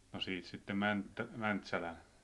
no siitä sitten - Mäntsälän